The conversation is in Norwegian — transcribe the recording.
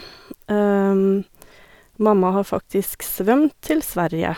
Mamma har faktisk svømt til Sverige.